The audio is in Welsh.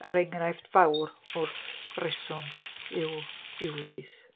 a'r enghraifft fawr wrth reswm yw Ulysses.